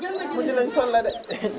mujj nañ sol la de